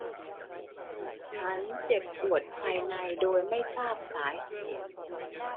ฉันเจ็บปวดภายในโดยไม่ทราบสาเหตุ